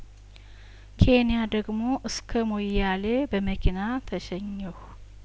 ኬንያ ደግሞ እስከ ሞያሌ በመኪና ተሸኘሁ